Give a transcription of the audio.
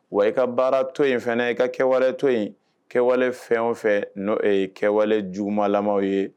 Wa i ka baara to in fana i ka kɛwale to in kɛwale fɛn o fɛ n'o ye kɛwale juguumalamaw ye